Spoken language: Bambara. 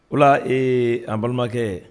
O la ee an balimakɛ